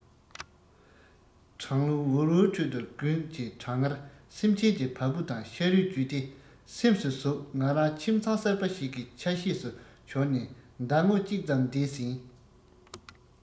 གྲང རླུང འུར འུར ཁྲོད དུ དགུན གྱི གྲང ངར སེམས ཅན གྱི བ སྤུ དང ཤ རུས བརྒྱུད དེ སེམས སུ ཟུག ང རང ཁྱིམ ཚང གསར པ ཞིག གི ཆ ཤས སུ གྱུར ནས ཟླ ངོ གཅིག ཙམ འདས ཟིན